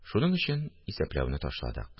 Шуның өчен исәпләүне ташладык